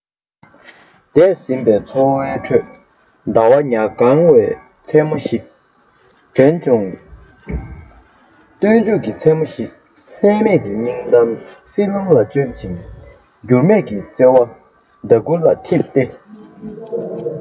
འདས ཟིན པའི འཚོ བའི ཁྲོད ཟླ བ ཉ གང བའི མཚན མོ ཞིག དྲན བྱུང སྟོན མཇུག གི མཚན མོ ཞིག ལྷད མེད ཀྱི སྙིང གཏམ བསིལ རླུང ལ བཅོལ ཅིང འགྱུར མེད ཀྱི བརྩེ བ ཟླ གུར ལ འཐིམས ཏེ